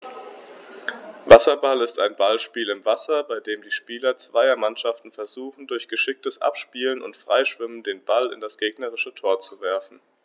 Wasserball ist ein Ballspiel im Wasser, bei dem die Spieler zweier Mannschaften versuchen, durch geschicktes Abspielen und Freischwimmen den Ball in das gegnerische Tor zu werfen.